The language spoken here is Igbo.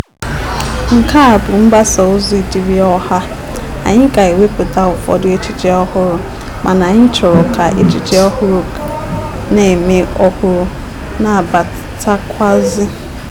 Nke a bụ mgbasa ozi dịịrị ọha – anyị ga-ewepụta ụfọdụ echiche ọhụrụ, mana anyị chọrọ ka echiche ọhụrụ na ume ọhụrụ na-abatakwazị.